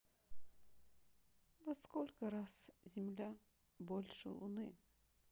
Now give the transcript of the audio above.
во сколько раз земля больше луны